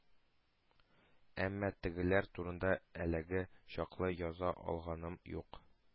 Әмма тегеләр турында әлегә чаклы яза алганым юк.